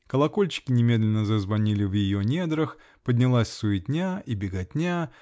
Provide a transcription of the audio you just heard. Колокольчики немедленно зазвонили в ее недрах, поднялась суетня и беготня